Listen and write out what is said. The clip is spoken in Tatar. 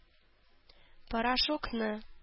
Порошокны